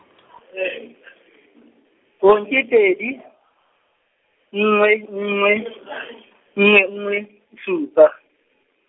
-kong ke pedi, nngwe nngwe, nngwe nngwe, supa.